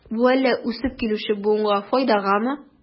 Бу әллә үсеп килүче буынга файдагамы?